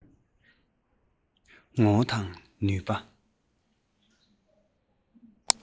ངོ བོ དང ནུས པ